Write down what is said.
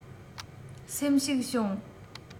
སེམས ཞིག བྱུང